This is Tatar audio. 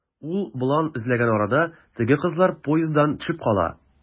Ул болан эзләгән арада, теге кызлар поезддан төшеп кала.